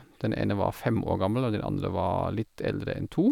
Den ene var fem år gammel, og den andre var litt eldre enn to.